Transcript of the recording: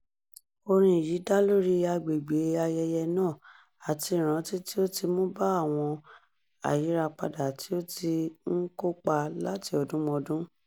Orin yìí dá lóríi agbègbè ayẹyẹ náà, àti ìrántí tí ó ti mú bá àwọn ayírapadà tí ó ti ń kópa láti ọdúnmọ́dún.